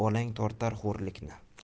bolang tortar xo'rlikni